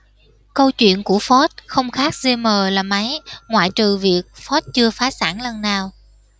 câu chuyện của ford không khác gm là mấy ngoại trừ việc ford chưa phá sản lần nào